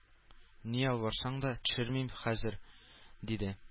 Ни ялварсаң да төшермим хәзер! — диде.